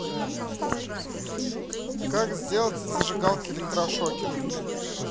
как сделать из зажигалки электрошокер